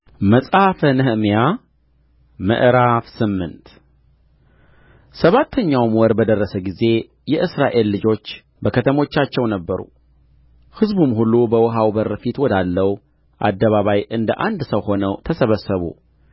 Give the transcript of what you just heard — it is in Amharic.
መጽሐፈ ነህምያ ምዕራፍ ስምንት ሰባተኛውም ወር በደረሰ ጊዜ የእስራኤል ልጆች በከተሞቻቸው ነበሩ ሕዝቡም ሁሉ በውኃው በር ፊት ወዳለው አደባባይ እንደ አንድ ሰው ሆነው ተሰበሰቡ